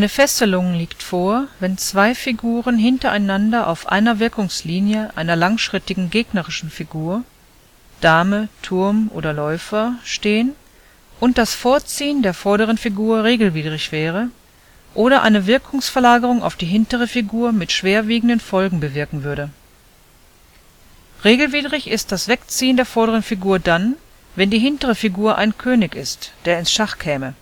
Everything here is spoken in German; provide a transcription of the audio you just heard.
Fesselung liegt vor, wenn zwei Figuren hintereinander auf einer Wirkungslinie einer langschrittigen gegnerischen Figur (Dame, Turm oder Läufer) stehen und das Fortziehen der vorderen Figur regelwidrig wäre oder eine Wirkungsverlagerung auf die hintere Figur mit schwerwiegenden Folgen bewirken würde. Regelwidrig ist das Wegziehen der vorderen Figur dann, wenn die hintere Figur ein König ist, der ins Schach käme